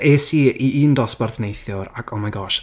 Es i i un dosbarth neithiwr ac oh my gosh...